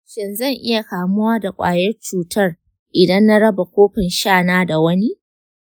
shin zan iya kamuwa da kwayar cutar idan na raba kofin shana da wani?